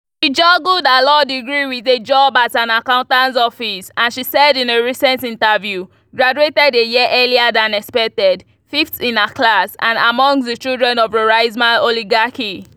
She juggled her law degree with a job at an accountant’s office and, she said in a recent interview, graduated a year earlier than expected, fifth in her class, and amongst the children of Roraima's oligarchy.